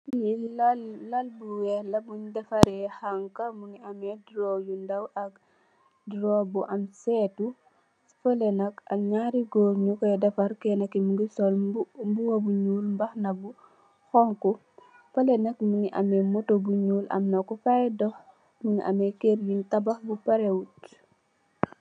Lee lal bu weex la bun dafare hankah mu ameh doru yu ndaw ak doru bu am setou fale nak aye nyari goor nukoy defarr kenake muge sol muba bu nuul mbaxana bu xonxo fale nak muge ameh motou bu nuul amna kufay doh muge ameh kerr bun tabax bu parehwut.